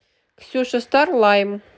ксюша стар слайм